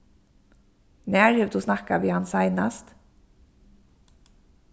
nær hevur tú snakkað við hann seinast